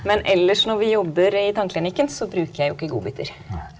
men ellers når vi jobber i tannklinikken så bruker jeg jo ikke godbiter.